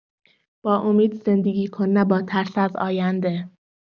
با امید زندگی کن نه با ترس از آینده.